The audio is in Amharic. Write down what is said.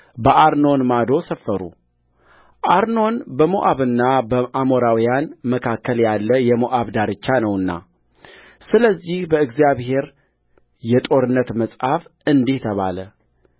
በአሮኖን ማዶ ሰፈሩ አሮኖን በሞዓብና በአሞራውያን መካከል ያለ የሞዓብ ዳርቻ ነውናስለዚህ በእግዚአብሔር የጦርነት መጽሐፍ እንዲህ ተባለ